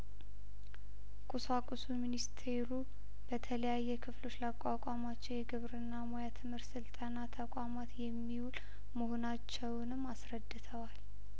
ቁሳቁሱ ሚኒስቴሩ በተለያ የክፍሎች ላቋቋማቸው የግብርና ሙያ ትምህርት ስልጠና ተቋማት የሚውል መሆናቸውንም አስረድተዋል